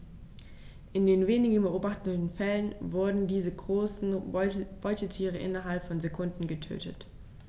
In den wenigen beobachteten Fällen wurden diese großen Beutetiere innerhalb von Sekunden getötet.